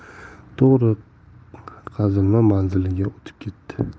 qarorga kelib to'g'ri qazilma manziliga o'tib ketdi